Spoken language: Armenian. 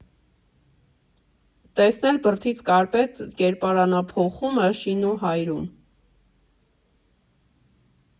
Տեսնել բրդից կարպետ կերպարանափոխումը Շինուհայրում։